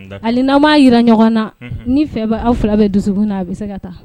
Ali n'ma jira ɲɔgɔn na ni fɛ bɛ aw fila bɛ dusu min na a bɛ se ka taa